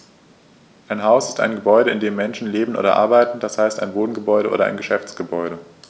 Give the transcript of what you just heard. Ein Haus ist ein Gebäude, in dem Menschen leben oder arbeiten, d. h. ein Wohngebäude oder Geschäftsgebäude.